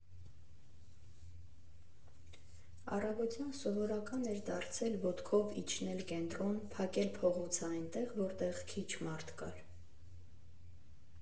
Առավոտյան սովորական էր դարձել ոտքով իջնել կենտրոն, փակել փողոցը այնտեղ, որտեղ քիչ մարդ կար։